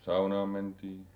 saunaan mentiin